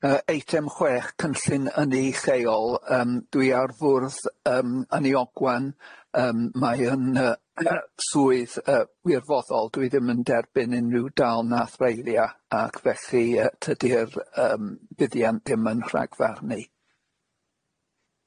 Yy eitem chwech cynllun ynni lleol, yym dwi ar fwrdd yym ynni Ogwen yym mae yn yy yy swydd yy wirfoddol dwi ddim yn derbyn unrhyw ddal nath reidia ac felly yy tydi'r yym buddiant ddim yn rhagfarnu.